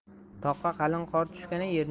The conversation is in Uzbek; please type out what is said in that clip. toqqa qalin qor tushgani